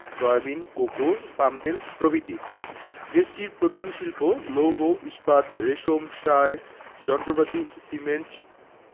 soybean cocoa পামতেল প্রভৃতি দেশটির প্রধান শিল্প লৌহ ইস্পাত রেশম সার যন্ত্রপাতি সিমেন্ট